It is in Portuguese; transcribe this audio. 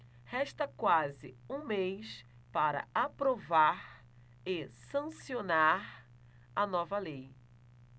resta quase um mês para aprovar e sancionar a nova lei